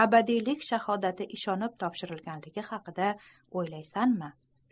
abadiylik shahodati ishonib topshirilganligi haqida o'ylaymizmi